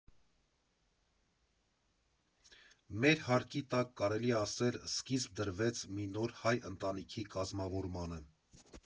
Մեր հարկի տակ, կարելի է ասել, սկիզբ դրվեց մի նոր հայ ընտանիքի կազմավորմանը։